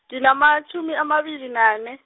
nginamatjhumi amabili nane.